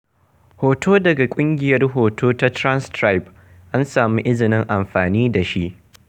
Hoto daga ƙungiyar Hoto ta Trans Pride, an samu izinin amfani da shi.